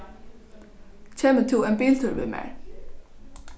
kemur tú ein biltúr við mær